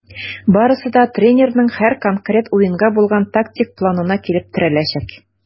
Барысы да тренерның һәр конкрет уенга булган тактик планына килеп терәләчәк.